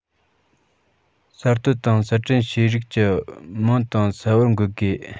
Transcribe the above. གསར གཏོད དང གསར སྐྲུན བྱེད རིགས ཀྱི མིང དང གསལ པོར འགོད དགོས